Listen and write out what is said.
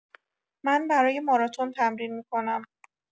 من برای ماراتن تمرین می‌کنم.